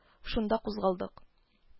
Шунда кузгалдык